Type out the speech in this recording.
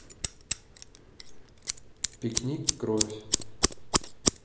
пикник кровь